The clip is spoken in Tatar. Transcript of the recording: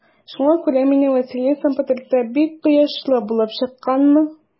Шуңа күрә минем Василисам портретта бик кояшлы булып чыкканмы?